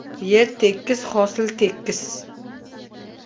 yer tekis hosil tekis